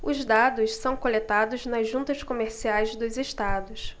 os dados são coletados nas juntas comerciais dos estados